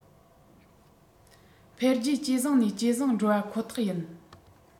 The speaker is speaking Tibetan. འཕེལ རྒྱས ཇེ བཟང ནས ཇེ བཟང འགྲོ བ ཁོ ཐག ཡིན